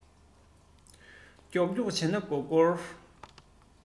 མགྱོགས མགྱོགས བྱས ན འགོར འགོར